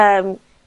yym